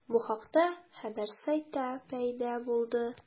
Бу хакта хәбәр сайтта пәйда булды.